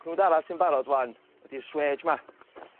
Gnwd arall sy'n barod ŵan ydi'r swêj 'ma.